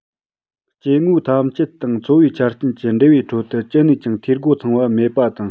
སྐྱེ དངོས ཐམས ཅད དང འཚོ བའི ཆ རྐྱེན གྱི འབྲེལ བའི ཁྲོད དུ ཅི ནས ཀྱང འཐུས སྒོ ཚང བ མེད པ དང